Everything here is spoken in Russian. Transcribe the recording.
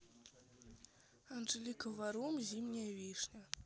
анжелика варум зимняя вишня